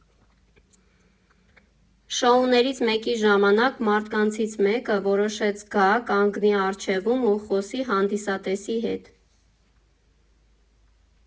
Շոուներից մեկի ժամանակ մարդկանցից մեկը որոշեց գա, կանգնի առջևում ու խոսի հանդիսատեսի հետ։